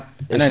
anani